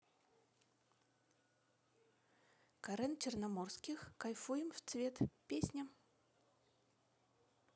карен черноморских кайфуем в цвет песня